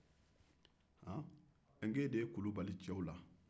n ko e de ye kulu bali cɛw la